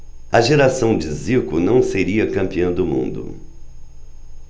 a geração de zico não seria campeã do mundo